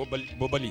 Bali